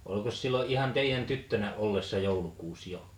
olikos silloin ihan teidän tyttönä ollessa joulukuusi jo